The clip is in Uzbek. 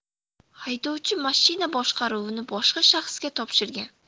haydovchi mashina boshqaruvini boshqa shaxsga topshirgan